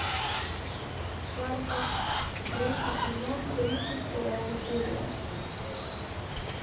карпов третий сезон тридцать вторая серия